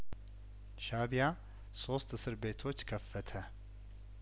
ሻእቢያሶስት እስር ቤቶች ከፈተ